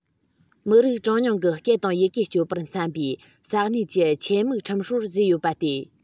མི རིགས གྲངས ཉུང གི སྐད དང ཡི གེ སྤྱོད པར འཚམ པའི ས གནས ཀྱི ཆེད དམིགས ཁྲིམས སྲོལ བཟོས ཡོད པ སྟེ